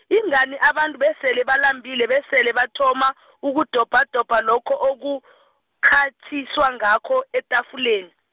ingani abantu besele balambile besele bathoma , ukudobhadobha lokho okukghatjiswa ngakho, etafuleni.